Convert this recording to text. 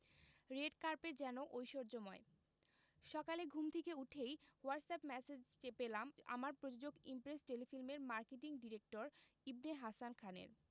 red carpet যেন ঐশ্বর্যময় সকালে ঘুম থেকে উঠেই হোয়াটসঅ্যাপ ম্যাসেজ পেলাম আমার প্রযোজক ইমপ্রেস টেলিফিল্মের মার্কেটিং ডিরেক্টর ইবনে হাসান খানের